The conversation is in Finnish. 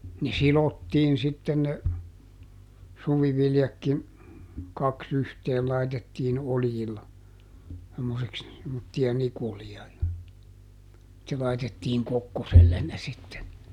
ne sidottiin sitten ne suviviljatkin kaksi yhteen laitettiin oljilla semmoiseksi semmoisia nikuleja ja sitten laitettiin kokkoselle ne sitten